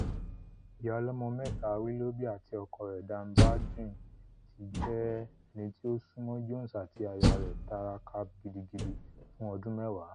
Ìyá-ọlómọ-mẹ́ta Willoughby àti ọkọ rẹ̀ Dan Baldwin ti jẹ́ ẹniti ó súnmọ́ Jones àti aya rẹ̀ Tara Capp gidigidi fún ọdún mẹ́wàá.